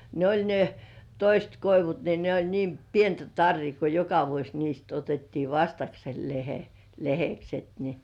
ne oli ne toiset koivut niin ne oli niin pientä tarria kun joka vuosi niistä otettiin vastakselle - lehdekset niin